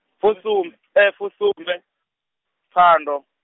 fusum-, fusumbe, phando.